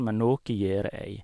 Men noe gjør jeg.